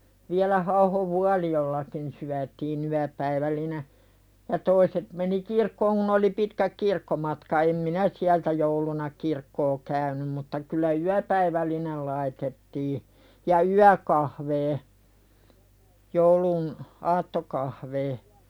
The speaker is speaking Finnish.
vielä Hauhon Vuolijoellakin syötiin yöpäivällinen ja toiset meni kirkkoon kun oli pitkät kirkkomatka en minä sieltä jouluna kirkkoa käynyt mutta kyllä yöpäivällinen laitettiin ja yökahveja joulun aattokahveja